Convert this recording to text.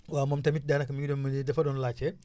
waaw moom tamit daanaka mi ngi doon mu nit dafa doon laajte